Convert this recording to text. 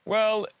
Wel